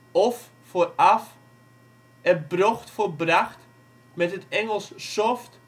of (af) en brocht (bracht) met het Engels: soft